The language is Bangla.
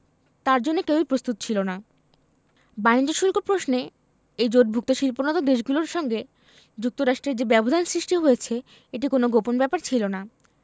তার জন্য কেউই প্রস্তুত ছিল না বাণিজ্য শুল্ক প্রশ্নে এই জোটভুক্ত শিল্পোন্নত দেশগুলোর সঙ্গে যুক্তরাষ্ট্রের যে ব্যবধান সৃষ্টি হয়েছে এটি কোনো গোপন ব্যাপার ছিল না